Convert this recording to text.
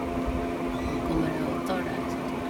Å kommer jeg og tar deg, sa trollet.